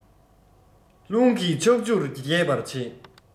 རླུང གིས ཕྱོགས བཅུར རྒྱས པར བྱེད